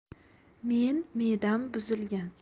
men me'dam buzilgan